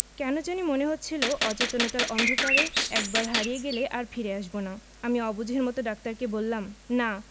কেন জানি মনে হচ্ছিলো অচেতনতার অন্ধকারে একবার হারিয়ে গেলে আর ফিরে আসবো না আমি অবুঝের মতো ডাক্তারকে বললাম না